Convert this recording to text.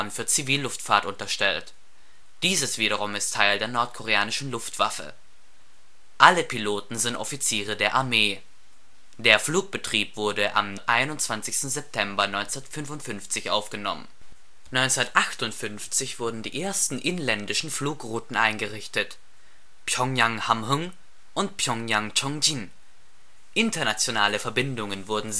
für Zivilluftfahrt unterstellt. Dieses wiederum ist Teil der nordkoreanischen Luftwaffe, alle Piloten sind Offiziere der Armee. Der Flugbetrieb wurde am 21. September 1955 aufgenommen. 1958 wurden die ersten inländischen Flugrouten eingerichtet: Pjöngjang – Hamhung und Pjöngjang – Chongjin. Internationale Verbindungen wurden